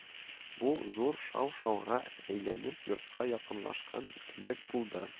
Бу зур шау-шуга әйләнеп йортка якынлашкан кебек булды